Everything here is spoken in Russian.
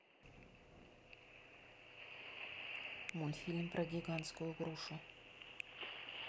мультфильм про гигантскую грушу